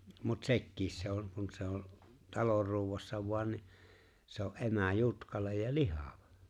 mutta sekin se on kun se on talon ruuassa vain niin se on emä jutkale ja lihava